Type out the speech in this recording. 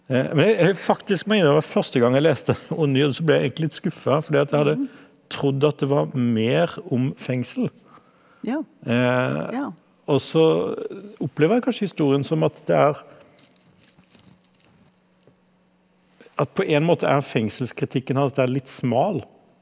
men jeg jeg faktisk meine det var første gang jeg leste Den onde hyrde så ble jeg egentlig litt skuffa fordi at jeg hadde trodd at det var mer om fengsel også opplever jeg kanskje historien som at det er at på én måte er fengselskritikken hans der litt smal.